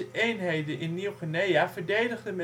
eenheden in Nieuw-Guinea verdedigden